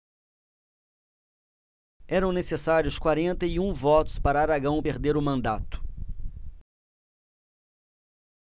eram necessários quarenta e um votos para aragão perder o mandato